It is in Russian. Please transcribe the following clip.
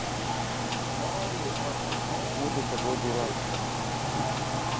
почему ты такой дурак